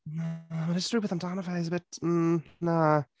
Na, just rhywbeth amdano fe, he’s a bit, hmm na.